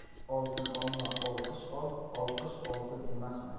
oltin olma olqish ol olqish oltin emasmi